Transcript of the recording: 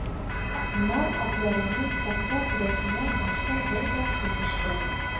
Нар абзарының такта түбәсенә башта бер тамчы төште